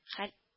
Хәл